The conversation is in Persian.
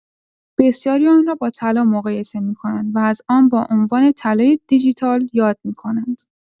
بسیاری آن را با طلا مقایسه می‌کنند و از آن با عنوان «طلای دیجیتال» یاد می‌کنند.